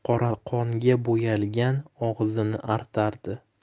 qora qonga bo'yalgan og'zini artardi